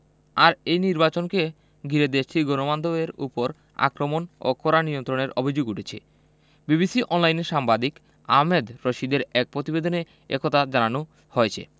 আর এই নির্বাচনকে ঘিরে দেশটির গণমাধ্যমের ওপর আক্রমণ ও কড়া নিয়ন্ত্রণের অভিযোগ উঠেছে বিবিসি অনলাইনে সাংবাদিক আহমেদ রশিদের এক প্রতিবেদনে এ কথা জানানো হয়েছে